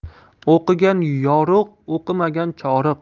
o'qigan yorug' o'qimagan choriq